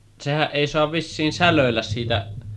sehän ei saa vissiin sälöillä siitä